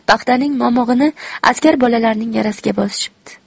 paxtaning momig'ini askar bolalarning yarasiga bosishibdi